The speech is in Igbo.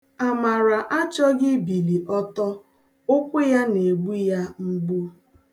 Amara achọghị m ibili ọtọ, ụkwụ ya na-egbu ya mgbu.